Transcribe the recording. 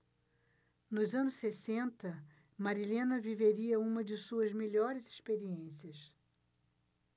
nos anos sessenta marilena viveria uma de suas melhores experiências